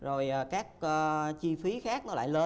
rồi các ơ chi phí khác nó lại lên